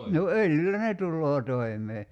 no öljyllä ne tulee toimeen